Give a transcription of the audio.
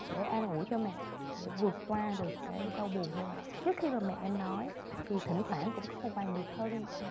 để an ủi cho mẹ để vượt qua được cái đau buồn như vậy trước khi bà mẹ em nói thì thỉnh thoảng cũng có vài người thân